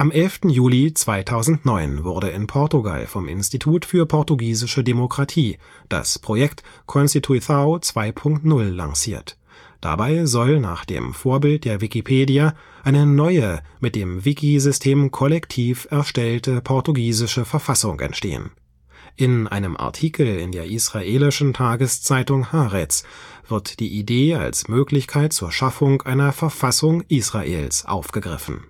11. Juli 2009 wurde in Portugal vom Institut für portugiesische Demokratie (IDP) das Projekt Constituição 2.0 lanciert. Dabei soll, nach dem Vorbild der Wikipedia, eine neue, mit dem Wiki-System kollektiv erstellte, portugiesische Verfassung entstehen. In einem Artikel in der israelischen Tageszeitung Haaretz wird die Idee als Möglichkeit zur Schaffung einer Verfassung Israels aufgegriffen